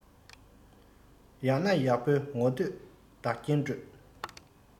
ཡག ན ཡག པས ངོ བསྟོད བདག རྐྱེན སྤྲོད